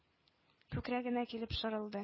Күкрәгенә килеп сарылды.—